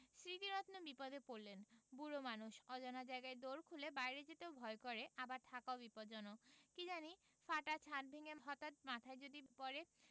স্মৃতিরত্ন বিপদে পড়লেন বুড়ো মানুষ অজানা জায়গায় দোর খুলে বাইরে যেতেও ভয় করে আবার থাকাও বিপজ্জনক কি জানি ফাটা ছাত ভেঙ্গে হঠাৎ মাথায় যদি পড়ে